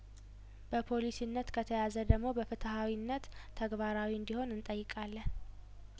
በፖሊሲነት ከተያዘ ደግሞ በፍትሀዊነት ተግባራዊ እንዲሆን እንጠይቃለን